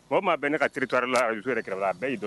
O maa bɛn ne ka teriiri cari la araso yɛrɛɛrɛ la bɛɛ yyi don